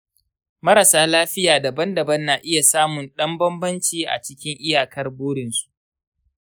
marasa lafiya daban-daban na iya samun ɗan bambanci a cikin iyakar burinsu.